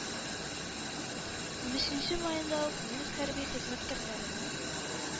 Унөченче маенда ук немец хәрби хезмәткәрләренең